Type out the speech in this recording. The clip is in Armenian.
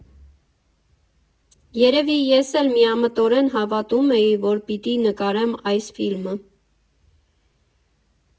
Երևի ես էլ միամտորեն հավատում էի, որ պիտի նկարեմ այս ֆիլմը։